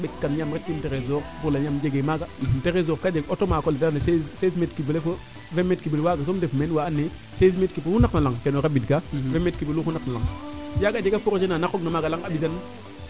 no poses im ɓekan yaamret kiim tresor tresor ka jeg auto maako la ando naye 16 mettre cube refo 20 metres cube waaga soon ndef meen wa ando naye 16 metre cube oxu naq na laŋ waago o rabid kaa un mettre cube oxu naq na laŋ yaaga a jega prejet naa naqoong na maaga laŋa mbisan